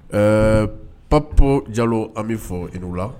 Ɛɛ pap jalo an bɛ fɔ i la